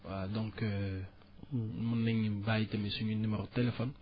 wa donc mun nañu bàyyi tamit suñu numéro téléphone